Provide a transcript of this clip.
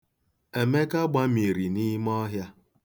Emeka gbamiri n'ime ọhịa.